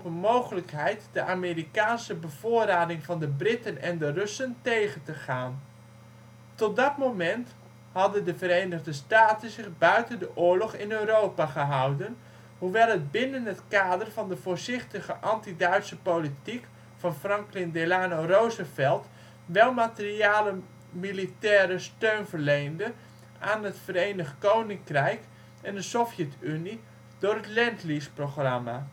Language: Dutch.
mogelijkheid de Amerikaanse bevoorrading van de Britten en de Russen tegen te gaan. Tot dat moment hadden de Verenigde Staten zich buiten de oorlog in Europa gehouden, hoewel het binnen het kader van de voorzichtige anti-Duitse politiek van Franklin Delano Roosevelt wel materiële militaire steun verleende aan het Verenigd Koninkrijk en de Sovjet-Unie door het Lend-Lease programma